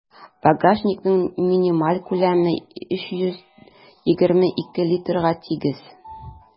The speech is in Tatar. Багажникның минималь күләме 322 литрга тигез.